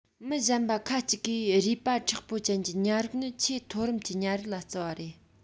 མི གཞན པ ཁ ཅིག གིས རུས པ མཁྲེགས པོ ཅན གྱི ཉ རིགས ནི ཆེས མཐོ རིམ གྱི ཉ རིགས ལ བརྩི བ རེད